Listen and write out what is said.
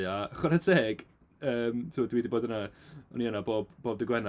A chwarae teg yym timod dwi 'di bod yna, o'n i yna bob bob dydd Gwener.